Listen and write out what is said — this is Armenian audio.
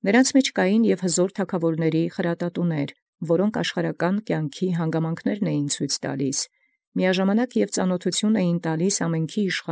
Յորոց և հզաւր թագաւորացն խրատիչք էին, զաշխարհական կենցաղոյս զհանգամանսն ցուցանէին, հանդերձ ամէնիշխանին Աստուծոյ ծանաւթս առնելով։